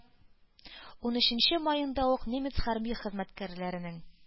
Унөченче маенда ук немец хәрби хезмәткәрләрен